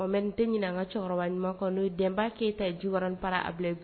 Ɔte min an ka cɛkɔrɔba ɲuman kɔnɔ denba keyita jikwa pa a bila